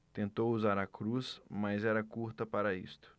tentou usar a cruz mas era curta para isto